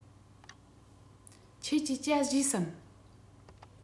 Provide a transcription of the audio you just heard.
ཁྱེད ཀྱིས ཇ བཞེས སམ